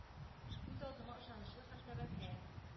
Күз алдыма ышанычлы hәм тәвәккәл